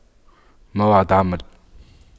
موعد عمل